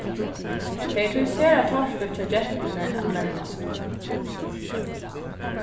tað er tí sera torført hjá gentuni at mennast